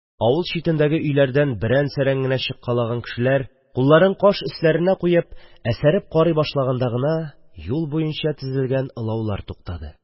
Авыл читендәге өйләрдән берән-сәрән генә чыккалаган кешеләр кулларын каш өсләренә куеп, әсәреп карый башлаганда гына, юл буенча тезелгән олаулар туктады.